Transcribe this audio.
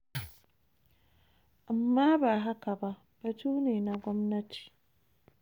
Amma ba haka ba, batu ne na gwamnati.